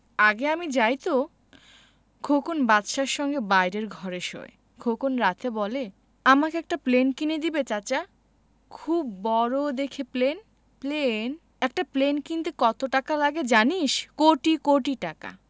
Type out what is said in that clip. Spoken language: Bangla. আগে আমি যাই তো খোকন বাদশার সঙ্গে বাইরের ঘরে শোয় খোকন রাতে বলে আমাকে একটা প্লেন কিনে দিবে চাচা খুব বড় দেখে প্লেন প্লেন একটা প্লেন কিনতে কত টাকা লাগে জানিস কোটি কোটি টাকা